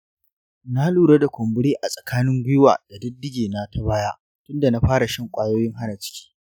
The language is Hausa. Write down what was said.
na lura da kumburi a tsakanin gwiwa da diddige na ta baya tunda na fara shan kwayoyin hana ciki.